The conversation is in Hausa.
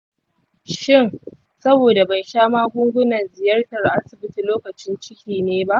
shin saboda ban sha magungunan ziyartar asibiti lokacin ciki ne ba ?